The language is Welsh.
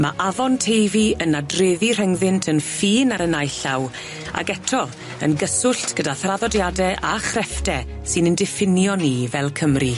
Ma' Afon Teifi yn nadreddu rhyngddynt yn ffin ar y naill llaw ag eto yn gyswllt gyda thraddodiade a chreffte sy'n ein diffinio ni fel Cymru.